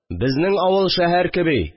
«безнең авыл шәһәр кеби